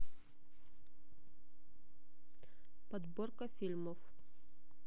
подборка фильмов